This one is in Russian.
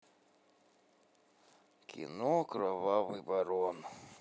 кино кровавый барон